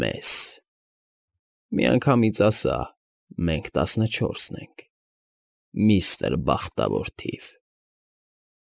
Մեզ։ Միանգամից ասա՝ «մենք տասնչորսն ենք», միստր Բախտավոր Թիվ։